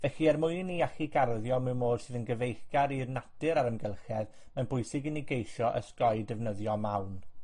Felly, er mwyn i ni allu garddio mewn modd sydd yn gyfeillgar i'r natur a'r amgylchedd, mae'n bwysig i ni geisio osgoi defnyddio mawn.